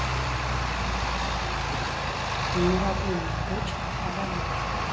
нерабыня дочка короля